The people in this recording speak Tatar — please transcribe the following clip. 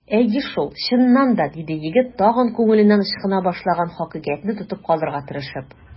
Әйе шул, чыннан да! - диде егет, тагын күңеленнән ычкына башлаган хакыйкатьне тотып калырга тырышып.